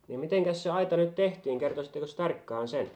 niin mitenkäs se aita nyt tehtiin kertoisittekos tarkkaan sen